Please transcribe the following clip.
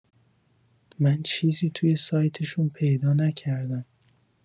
من چیزی توی سایتشون پیدا نکردم